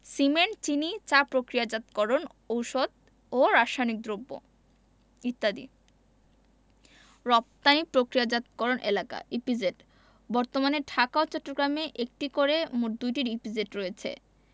cement চিনি মাছ প্রক্রিয়াজাতকরণ ঔষধ ও রাসায়নিক দ্রব্য ইত্যাদি রপ্তানি প্রক্রিয়াকরণ এলাকাঃ ইপিজেড বর্তমানে ঢাকা ও চট্টগ্রামে একটি করে মোট ২টি ইপিজেড রয়েছে